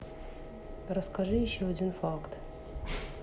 расскажи еще один факт